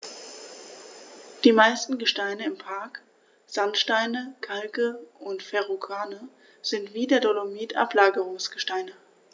Die meisten Gesteine im Park – Sandsteine, Kalke und Verrucano – sind wie der Dolomit Ablagerungsgesteine.